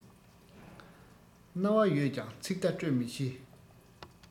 རྣ བ ཡོད ཀྱང ཚིག བརྡ སྤྲོད མི ཤེས